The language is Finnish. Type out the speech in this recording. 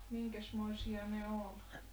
minkäsmoisia ne oli